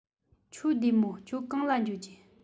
ཁྱོད བདེ མོ ཁྱོད གང ལ འགྲོ རྒྱུ